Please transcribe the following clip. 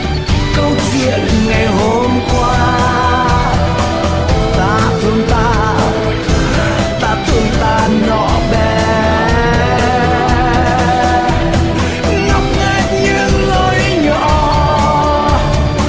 câu chuyện ngày hôm qua ta thương ta ta thương ta nhỏ bé ngóc ngách những lối nhỏ